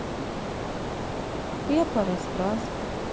пеппа раскраски